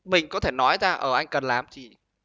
mình có thể nói ra ở anh cần làm gì